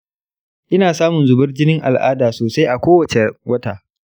ina samun zubar jinin al’ada sosai a kowace wata.